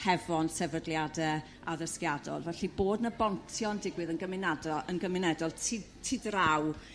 hefo'n sefydliade addysgiadol, felly bod 'na bontio yn digwydd yn gymunado- yn gymunedol ti ti ddraw